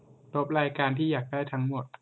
ลบรายการที่อยากได้ทั้งหมด